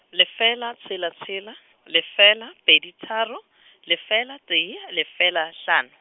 lefela, tshela tshela, lefela, pedi tharo, lefela, tee, lefela, hlano.